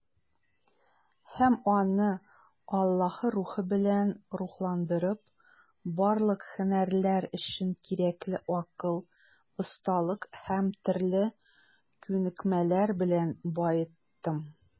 Һәм аны, Аллаһы Рухы белән рухландырып, барлык һөнәрләр өчен кирәкле акыл, осталык һәм төрле күнекмәләр белән баеттым.